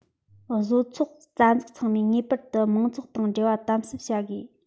བཟོ ཚོགས རྩ འཛུགས ཚང མས ངེས པར དུ མང ཚོགས དང འབྲེལ བ དམ ཟབ བྱ དགོས